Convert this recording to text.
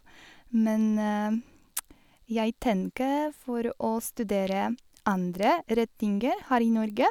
Men jeg tenker for å studere andre retninger her i Norge.